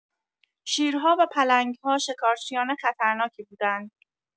شیرها و پلنگ‌ها شکارچیان خطرناکی بودند.